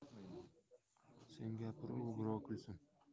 sen gapir u birov kulsin